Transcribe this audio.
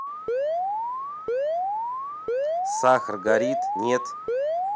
сахар горит нет